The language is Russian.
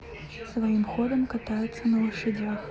своим ходом катается на лошадях